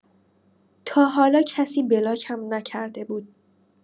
تا حالا کسی بلاکم نکرده بود